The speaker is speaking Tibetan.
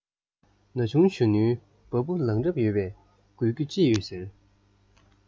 ན ཆུང གཞོན ནུའི བ སྤུ ལངས རབས ཡོད པས དགོད རྒྱུ ཅི ཡོད ཟེར